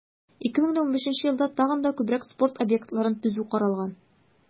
2015 елда тагын да күбрәк спорт объектларын төзү каралган.